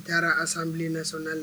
U taara assemblée nationale la